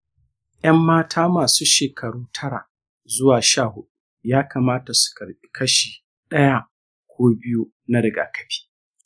’yan mata masu shekaru tara zuwa sha hudu ya kamata su karɓi kashi ɗaya ko biyu na rigakafin.